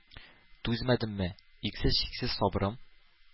Түзмәдемме... иксез-чиксез сабрым